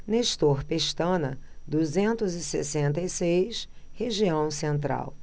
nestor pestana duzentos e sessenta e seis região central